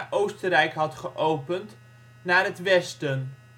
Oostenrijk had geopend) naar het westen